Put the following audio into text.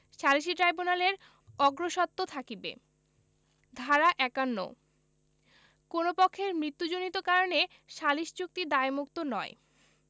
সালিসী ট্রাইব্যুনালের অগ্রস্বত্ব থাকিবে ধারা ৫১ কোন পক্ষের মৃত্যুজনিত কারণে সালিস চুক্তি দায়মুক্ত নয়